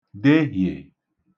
dehiè